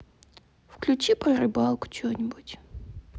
включи про рыбалку че нибудь